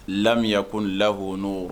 lam yakun lahu nur